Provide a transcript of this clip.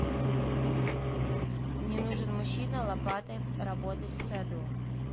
мне нужен мужчина лопатой работать в саду